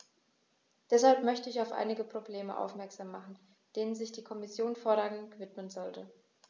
Deshalb möchte ich auf einige Probleme aufmerksam machen, denen sich die Kommission vorrangig widmen sollte.